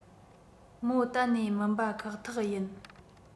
མོ གཏན ནས མིན པ ཁག ཐག ཡིན